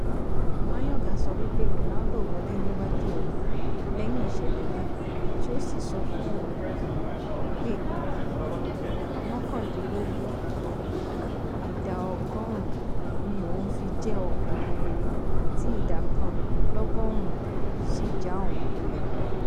Mayorga sọ wípé Ronaldo wólẹ̀ níwájú òhun lẹ́yìn ìṣẹ̀lẹ̀ náà tí ó sì sọ fún òun pé “99 ìdá ọgọ́rùn ún” ní òun fi jẹ́ “ọkùrin rere” tí “ìdá kan l’ọ́gọ́rù ún” sì já òhun kulẹ̀.